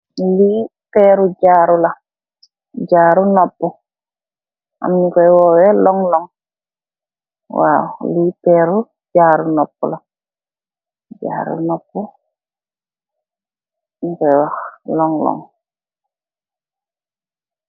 Li piru jaru la. Jaru noppu, am nyu koye woweh long long. Waaw, li piru jaru noppu la. Jaru noppu nyu koye wah long long. Waaw.